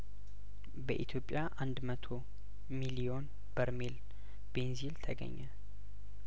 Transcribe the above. በኢትዮጵያ አንድ መቶ ሚሊዮን በርሜል ቤንዚል ተገኘ